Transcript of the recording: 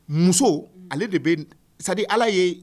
Muso ale de bɛ sa ala ye